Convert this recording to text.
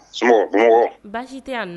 Baasi tɛ yan